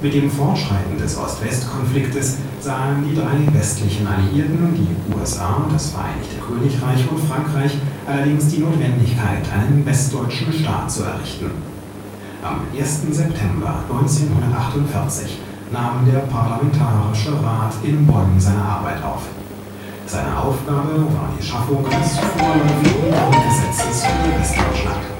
dem Fortschreiten des Ost-West-Konfliktes sahen die drei westlichen Alliierten, die USA, das Vereinigte Königreich und Frankreich, allerdings die Notwendigkeit, einen westdeutschen Staat zu errichten. Am 1. September 1948 nahm der Parlamentarische Rat in Bonn seine Arbeit auf: Seine Aufgabe war die Schaffung eines (vorläufigen) Grundgesetzes für Westdeutschland